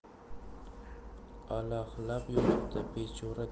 alahlab yotibdi bechora